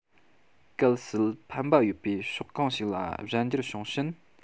གལ སྲིད ཕན པ ཡོད པའི ཕྱོགས གང ཞིག ལ གཞན འགྱུར བྱུང ཕྱིན